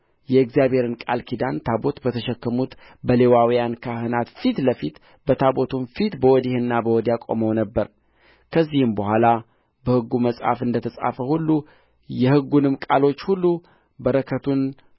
የእግዚአብሔርን ቃል ኪዳን ታቦት በተሸከሙት በሌዋውያን ካህናት ፊት ለፊት በታቦቱም ፊት በወዲህና በወዲያ ቆመው ነበር ከዚህም በኋላ በሕጉ መጽሐፍ እንደ ተጻፈ ሁሉ የሕጉን ቃሎች ሁሉ በረከቱን